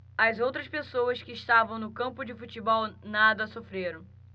as outras pessoas que estavam no campo de futebol nada sofreram